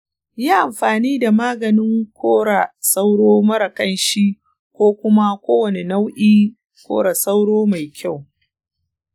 yi amfani da maganin kora sauro mara ƙanshi ko kuma kowane nau'in kora sauro mai kyau.